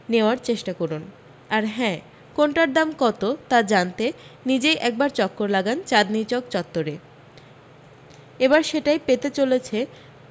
নেওয়ার চেষ্টা করুণ আর হ্যাঁ কোনটার দাম কত তা জানতে নিজই এক বার চক্কর লাগান চাঁদনি চক চত্বরে এ বার সেটাই পেতে চলেছে